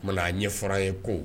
O tumana a ɲɛfɔra an ye ko